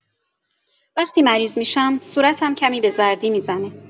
وقتی مریض می‌شم، صورتم کمی به زردی می‌زنه.